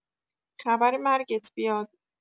خبر مرگت بیاد